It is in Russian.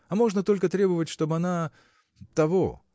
а можно только требовать, чтоб она. того.